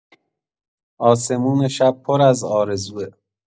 آسمون شب پر از آرزوئه.